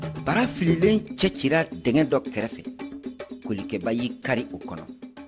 bara fililen cɛcira dingɛ dɔ min kɛrɛfɛ kolikɛba y'i kari o kɔnɔ